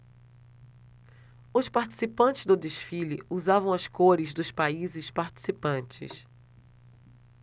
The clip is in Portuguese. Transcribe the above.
os participantes do desfile usavam as cores dos países participantes